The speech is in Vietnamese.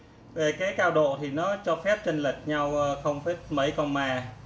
cao độ thì nó cho phép chênh lệch không phẩy mấy comma